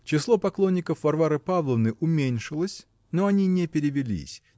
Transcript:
Число поклонников Варвары Павловны уменьшилось, но они не перевелись